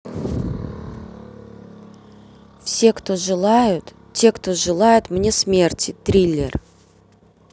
все кто желают те кто желает мне смерти триллер